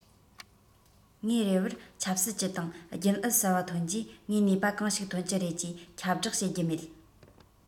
ངའི རེ བར ཆབ སྲིད ཅུད དང རྒྱུན ཨུད གསར པ ཐོན རྗེས ངས ནུས པ གང ཞིག ཐོན གྱི རེད ཅེས ཁྱབ བསྒྲགས བྱེད རྒྱུ མེད